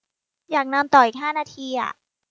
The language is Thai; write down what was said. อยากนอนต่ออีกห้านาทีอะ